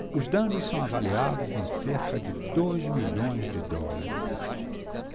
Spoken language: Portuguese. os danos são avaliados em cerca de dois milhões de dólares